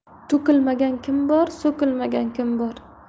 to'kilmagan kim bor so'kilmagan kim bor